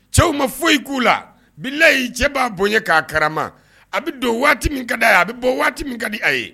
Cɛw ma foyi k'u la bilayi cɛ b'a bonya k'a karama a bɛ don waati min ka di a ye a bɛ bɔ waati min ka di a ye